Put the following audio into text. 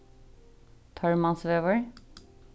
tormansvegur